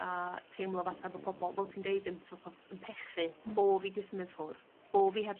a teimlo fatha bo' pobol fel ti'n deud yn so't of yn pechu... Hmm. ...bo' fi 'di symu ffwrdd bo' fi heb